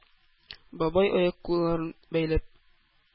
Бабай, аяк-кулларын бәйләп,